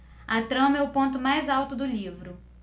a trama é o ponto mais alto do livro